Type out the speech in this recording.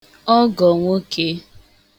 ọgọ̀ nwokē